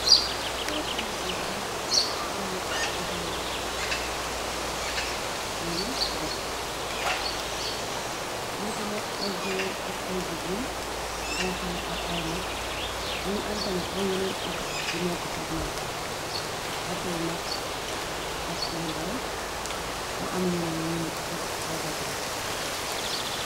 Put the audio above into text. Fi kaw feer bina mingi am ay nit u fay wacc nityi nekk ay góol ak ay jige ay xale ak ay mag ñu ngi am tamet ay yeneen auto yi nekk foof non tamet auto yu mag ak yu ndaw mu am yeneene ñu ngi épp ay bagaas.